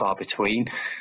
far between.